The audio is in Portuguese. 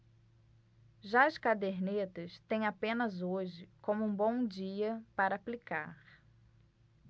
já as cadernetas têm apenas hoje como um bom dia para aplicar